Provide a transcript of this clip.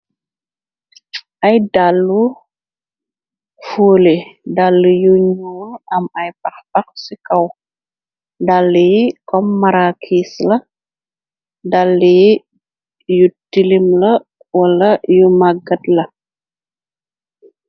Ay dàllu foole dall yu ñool am ay paxbax ci kaw dall yi kommarakis la dall yi yu tilim la wala yu maggat la.